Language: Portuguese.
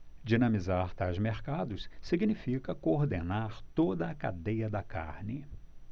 dinamizar tais mercados significa coordenar toda a cadeia da carne